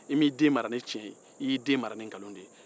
i y'i den mara ni nkalon de ye